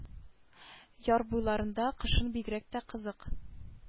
Яр буйларында кышын бигрәк тә кызык